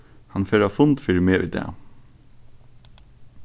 hann fer á fund fyri meg í dag